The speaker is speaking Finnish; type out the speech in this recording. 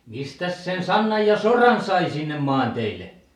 mistäs sen sannan ja soran sai sinne maanteille